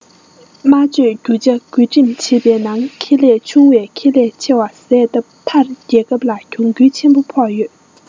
མ བཅོས རྒྱུ ཆ བགོས འགྲེམ བྱེད པའི ནང ཁེ ལས ཆེ བ བཟས སྟབས མཐར རྒྱལ ཁབ ལ གྱོང གུན ཆེན པོ ཕོག ཡོད